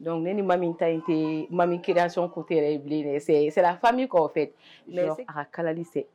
Dɔnkuc ne ni ma min ta in tɛ ma min kiraran sɔn' tɛ ye bilen dɛ sira fa min kɔ fɛ a kalali se